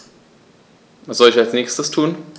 Was soll ich als Nächstes tun?